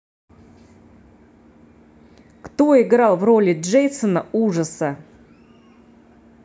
кто играл в роли джейсона ужаса